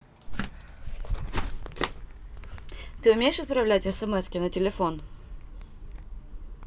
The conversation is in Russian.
ты умеешь отправлять смски на телефон